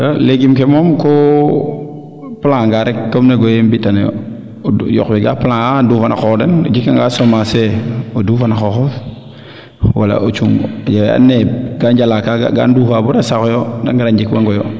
legume ke moom koo plan a rek comme ne goye mbi tano yo yoq we ga plan a ndufana qoox den o jeka nga semence fee o dufana xooxof wala o cung ya and naye kaa njala kaaga ga nduufa bata saxo yo de ngara njik wango yo